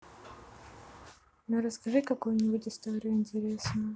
ну расскажи какую нибудь историю интересную